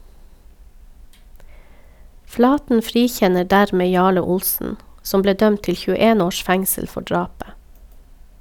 Flaten frikjenner dermed Jarle Olsen, som ble dømt til 21 års fengsel for drapet.